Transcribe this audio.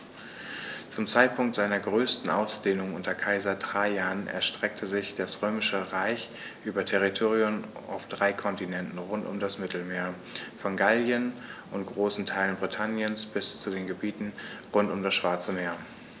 Zum Zeitpunkt seiner größten Ausdehnung unter Kaiser Trajan erstreckte sich das Römische Reich über Territorien auf drei Kontinenten rund um das Mittelmeer: Von Gallien und großen Teilen Britanniens bis zu den Gebieten rund um das Schwarze Meer.